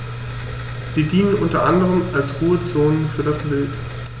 Sie dienen unter anderem als Ruhezonen für das Wild.